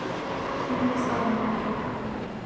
фильмы с ароновой